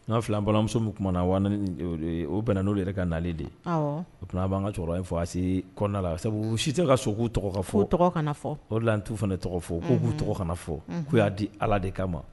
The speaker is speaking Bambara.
Ni ma fili, an balimamuso min kuma na a ye 20000 de di , o bɛn n'olu yɛrɛ ka nali de ye, awɔ; otuma an b'an ka cɛkɔrɔba in fɔ ACI kɔnɔna na , sabu u si tɛ ka sɔn k'u tɔgɔ ka fɔ, u tɔgɔ kana fɔ, o de ka n tɛ k''u tɔgɔ fɔ, olu tɔgɔ kana fɔ ko olu y'a di allah de kama !